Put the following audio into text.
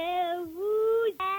Sebugu